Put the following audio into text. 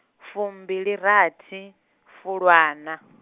fumbilirathi, Fulwana.